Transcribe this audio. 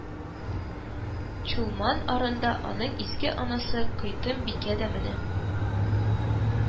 Чулман ярында аның изге анасы Койтым бикә дә менә